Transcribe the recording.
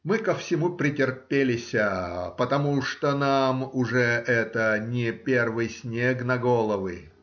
Мы ко всему притерпелися, потому что нам уже это не первый снег на головы.